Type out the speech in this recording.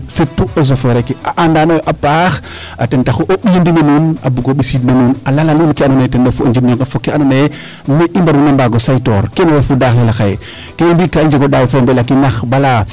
surtout eaux et foret ke a andaa noyo a paax ten taxu o mbiyo ndime nuun a bugo mbisiid na nuun a lala nuun ke ando naye ten refu o njirñonge fo kee ando naye ne i mbarna mbaago seytoor keene refu daaxele xaye kee i mbi kaa i njego ndaay fo o mbelakinax balaa